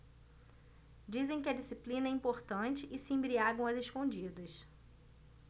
dizem que a disciplina é importante e se embriagam às escondidas